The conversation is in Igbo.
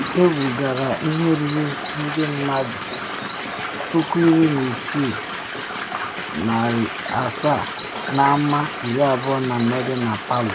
Ebugara ihe ruru ndị mmadụ 16,700 n’ama 24 dị na Palu.